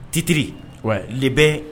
Fitiriri bɛ